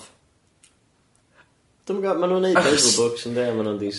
Dw i'm yn gwbod, ma' nhw'n neud bible books yn 'de, ma' nhw'n decent.